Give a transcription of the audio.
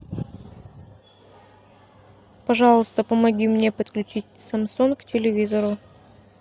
пожалуйста помоги мне подключить самсон к телевизору